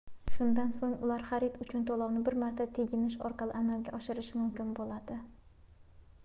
shundan so'ng ular xarid uchun to'lovni bir marta teginish orqali amalga oshirishi mumkin bo'ladi